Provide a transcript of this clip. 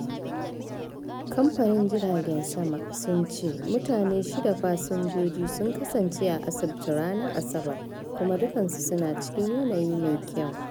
Kamfanin jiragen sama sun ce mutane shida fasinjoji sun kasance a asibiti a ranar Asabar, kuma dukansu su na cikin yanayi mai kyau.